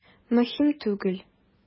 Мөһим түгел.